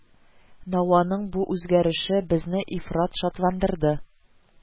Наваның бу үзгәреше безне ифрат шатландырды